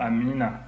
amiina